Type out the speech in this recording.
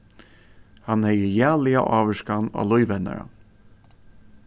hann hevði jaliga ávirkan á lív hennara